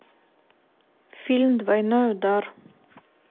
фильм двойной удар